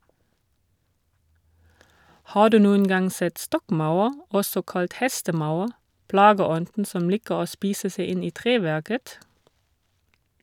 Har du noen gang sett stokkmaur, også kalt hestemaur, plageånden som liker å spise seg inn i treverket?